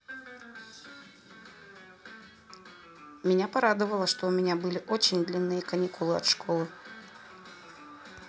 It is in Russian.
меня порадовало что у меня были очень длинные каникулы от школы